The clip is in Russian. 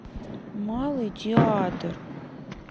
малый театр